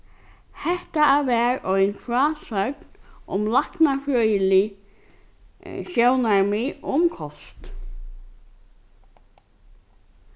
hetta var ein frásøgn um læknafrøðilig sjónarmið um kost